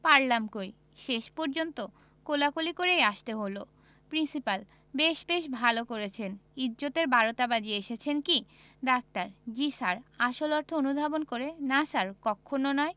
পারলাম কই শেষ পর্যন্ত কোলাকুলি করেই আসতে হলো প্রিন্সিপাল বেশ বেশ ভালো করেছেন ইজ্জতের বারোটা বাজিয়ে এসেছেন কি ডাক্তার জ্বী স্যার আসল অর্থ অনুধাবন করে না স্যার কক্ষণো নয়